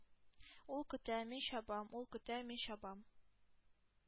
Ул көтә, мин чабам... ул көтә, мин чабам!